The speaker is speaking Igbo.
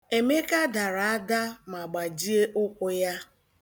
Emeka dara ada ma gbajie ụkwụ ya.